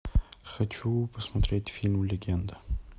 хочу посмотреть фильм легенда